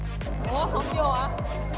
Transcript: ủa hổng dô hả